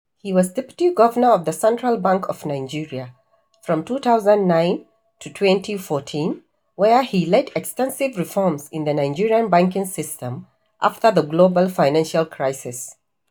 He was deputy governor of the Central Bank of Nigeria from 2009 to 2014, where "he led extensive reforms in the Nigerian banking system after the global financial crisis."